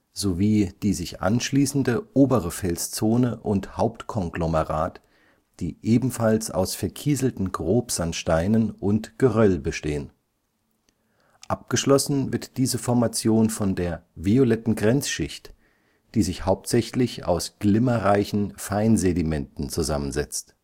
sowie die sich anschließende obere Felszone und Hauptkonglomerat, die ebenfalls aus verkieselten Grobsandsteinen und Geröll bestehen. Abgeschlossen wird diese Formation von der „ violetten Grenzschicht “, die sich hauptsächlich aus glimmerreichen Feinsedimenten zusammensetzt